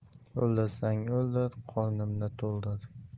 o'ldirsang o'ldir qornimni toldir